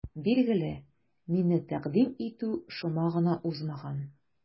Билгеле, мине тәкъдим итү шома гына узмаган.